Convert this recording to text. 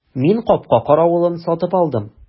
Мин капка каравылын сатып алдым.